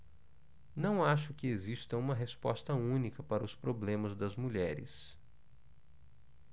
não acho que exista uma resposta única para os problemas das mulheres